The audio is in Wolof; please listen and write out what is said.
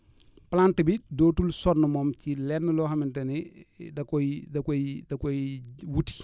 plante bi dootul sonn moom ci lenn loo xamante ne da koy da koy da koy wuti